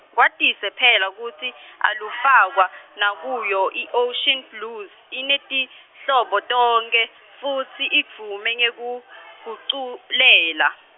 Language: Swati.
watise phela kutsi, alufakwa, nakuyo i- Ocean Blues, inetinhlobo tonkhe futsi idvume ngekuguculela.